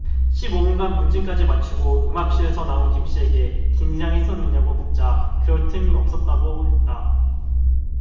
십 오 분간 문진까지 마치고 음압실에서 나온 김씨에게 긴장했었느냐고 묻자 그럴 틈 없었다고 했다